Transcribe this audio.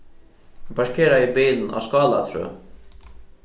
eg parkeraði bilin á skálatrøð